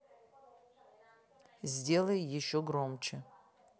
сделай еще громче